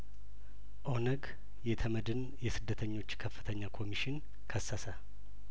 ኦነግ የተመድን የስደተኞች ከፍተኛ ኮሚሽን ከሰሰ